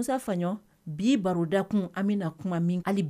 Da kun